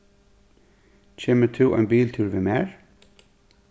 kemur tú ein biltúr við mær